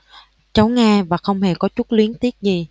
cháu nghe và không hề có chút luyến tiếc gì